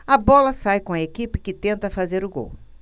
a bola sai com a equipe que tenta fazer o gol